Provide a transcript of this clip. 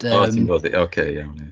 O ti'm fod ? O ocê iawn ia